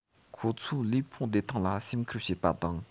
ཁོ ཚོའི ལུས ཕུང བདེ ཐང ལ སེམས ཁུར བྱས པ དང